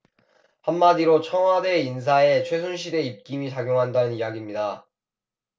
한 마디로 청와대 인사에 최순실의 입김이 작용한다는 이야깁니다